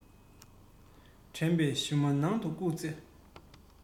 དྲན པའི གཞུ མོ ནང དུ བཀུག ཚེ